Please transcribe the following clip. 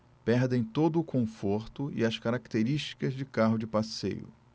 perdem todo o conforto e as características de carro de passeio